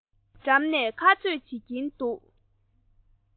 འགྲམ ནས ཁ རྩོད བྱེད ཀྱིན འདུག